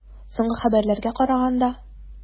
Соңгы хәбәрләргә караганда.